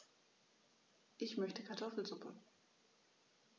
Ich möchte Kartoffelsuppe.